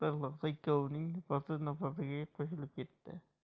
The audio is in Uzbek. bir lahza ikkovining nafasi nafasiga qo'shilib ketdi